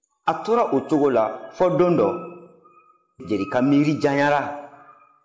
a tora o cogo la fɔ don dɔ jerika miiri janyara